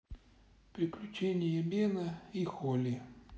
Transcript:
приключения бена и холли